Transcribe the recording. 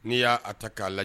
Ne y'a a ta k'a laj